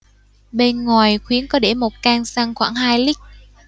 bên ngoài khuyến có để một can xăng khoảng hai lít